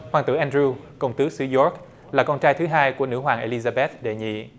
hoàng tử an đờ riu công tước xứ gioóc là con trai thứ hai của nữ hoàng e li da bét đệ nhị